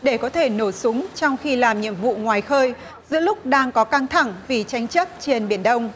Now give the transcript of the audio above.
để có thể nổ súng trong khi làm nhiệm vụ ngoài khơi giữa lúc đang có căng thẳng vì tranh chấp trên biển đông